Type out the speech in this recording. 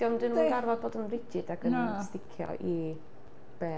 Diom... 'di nhw'm yn gorfod bod yn rigid, ac yn sdicio i be...